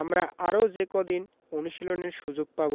আমরা আরও যে কদিন অনুশীলনের সুযোগ পাব